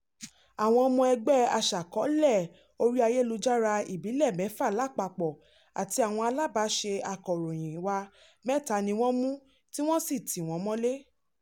Àwọn ọmọ ẹgbẹ́ aṣàkoọ́lẹ̀ orí ayélujára ìbílẹ̀ mẹ́fà lápapọ̀ àti àwọn alábàáṣe akọ̀ròyìn wa mẹ́ta ni wọ́n mú tí wọ́n sì tì wọ́n mọ́lé.